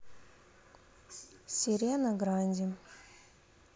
серена гранди